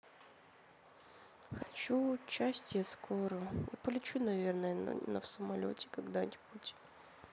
хочу часть я скоро я полечу наверное на в самолете когда нибудь